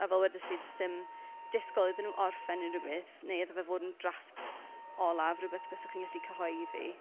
A fel wedes i does dim disgwyl iddyn nhw orffen unrhywbeth, neu iddo fe fod yn drafft olaf, rywbeth y byswch chi'n gallu cyhoeddi.